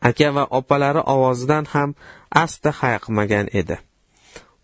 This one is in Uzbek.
aka va opalari ovozidan ham asti hayiqmagan edi